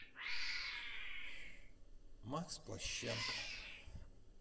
макс плащенко